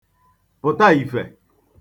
pụ̀ta ìfiè